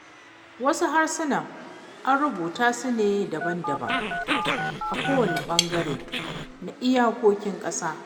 Wasu harsunan an rubuta su ne daban-daban a kowane ɓangare na iyakokin ƙasa.